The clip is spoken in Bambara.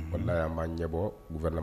Walahi a ma ɲɛbɔɔ gouvernement